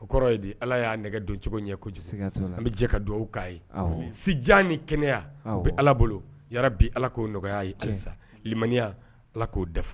O kɔrɔ ye de ala y'a nɛgɛ don cogo ɲɛ kojisi an bɛ jɛ ka dugawu aw'a ye sijan ni kɛnɛya bɛ ala bolo ya bi ala k'o nɔgɔyaya ye sa maniya ala k'o dafa